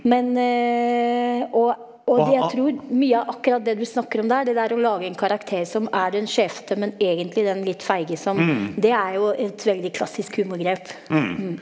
men og og det jeg tror mye av akkurat det du snakker om der det der å lage en karakter som er den sjefete, men egentlig den litt feige som det er jo et veldig klassisk humorgrep ja.